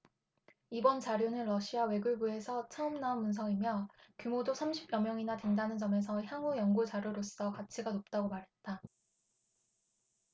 이번 자료는 러시아 외교부에서 처음 나온 문서이며 규모도 삼십 여 명이나 된다는 점에서 향후 연구 자료로서 가치가 높다고 말했다